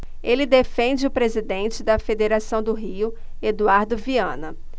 ele defende o presidente da federação do rio eduardo viana